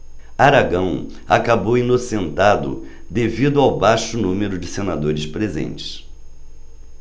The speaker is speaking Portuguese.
aragão acabou inocentado devido ao baixo número de senadores presentes